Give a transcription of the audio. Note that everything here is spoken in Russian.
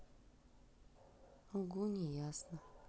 угу не ясно